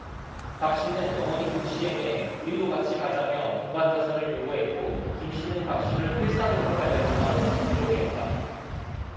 박씨는 어머니 김씨에게 우리도 같이 가자며 동반 자살을 요구했고 김씨는 박씨를 필사적으로 말렸지만 역부족이었다